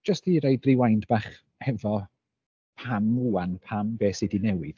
Jyst i roi rewind bach hefo pam ŵan pam be sy 'di newid.